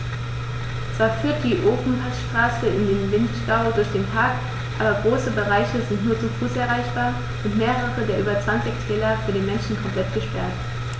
Zwar führt die Ofenpassstraße in den Vinschgau durch den Park, aber große Bereiche sind nur zu Fuß erreichbar und mehrere der über 20 Täler für den Menschen komplett gesperrt.